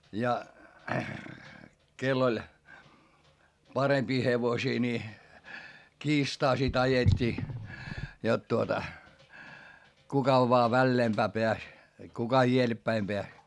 ja kenellä oli parempia hevosia niin kiistaa sitten ajettiin jotta tuota kuka vain väleempään pääsi kuka edellepäin pääsi